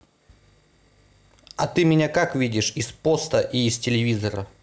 а ты меня как видишь из поста и из телевизора